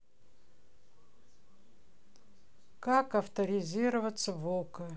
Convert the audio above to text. как авторизироваться в окко